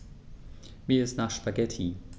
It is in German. Mir ist nach Spaghetti.